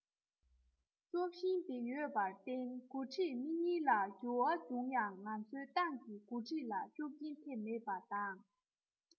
སྲོག ཤིང འདི ཡོད པར བརྟེན འགོ ཁྲིད མི གཉིས ལ འགྱུར བ བྱུང ཡང ང ཚོའི ཏང གི འགོ ཁྲིད ལ ཤུགས རྐྱེན ཐེབས མེད པ དང